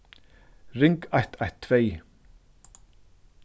ring eitt eitt tvey